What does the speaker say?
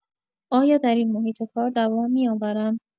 آیا در این محیط کار دوام می‌آورم؟